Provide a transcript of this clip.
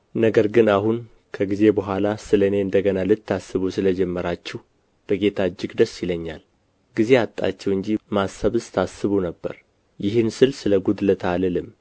ነገር ግን አሁን ከጊዜ በኋላ ስለ እኔ እንደ ገና ልታስቡ ስለ ጀመራችሁ በጌታ እጅግ ደስ ይለኛል ጊዜ አጣችሁ እንጂ ማሰብስ ታስቡ ነበር ይህን ስል ስለ ጉድለት አልልም